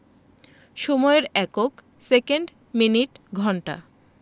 সময়ের একক second minute ঘন্টা